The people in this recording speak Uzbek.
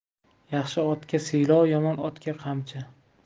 yaxshi otga siylov yomon otga qamchi